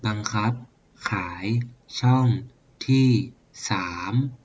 บังคับขายช่องที่สาม